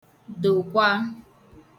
dòkwa